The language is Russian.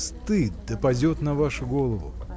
Стыд да падет на вашу голову!.